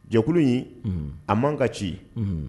Jɛkulu in a man ka ci